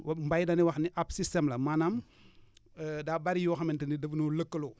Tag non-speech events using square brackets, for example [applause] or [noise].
wa mbay dañuy wax ne ab système la maanaam [breath] [hesitation] daa bari yoo xamante ni dafa ñoo lëkkaloo